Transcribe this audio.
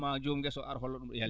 ma jom ngesa o ar hollo ɗum ɗo yaltirta